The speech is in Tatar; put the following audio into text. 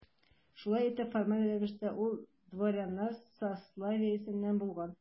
Шулай итеп, формаль рәвештә ул дворяннар сословиесеннән булган.